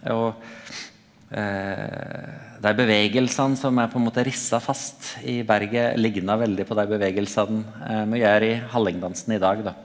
og der bevegelsane som er på ein måte rissa fast i berget likna veldig på dei bevegelsane me gjer i hallingdansen i dag da.